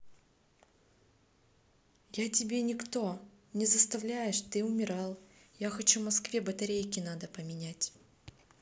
я тебе никто не заставляешь ты умирал я хочу москве батарейки надо поменять